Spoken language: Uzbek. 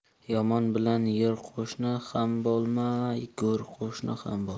yomon bilan yer qo'shni ham bo'lma go'r qo'shni ham bo'lma